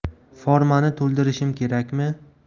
formani to'ldirishim kerakmi